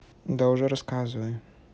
да уже рассказывай